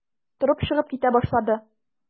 Торып чыгып китә башлады.